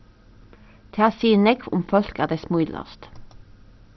tað sigur nógv um fólk at tey smílast